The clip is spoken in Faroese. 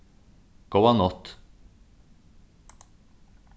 góða nátt